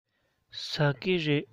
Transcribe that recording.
ཟ ཀི རེད